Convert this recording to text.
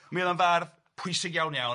Mi oedd o'n fardd pwysig iawn iawn ia.